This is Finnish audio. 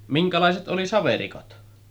minkälaiset oli saverikot